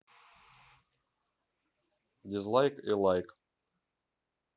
дизлайк и лайк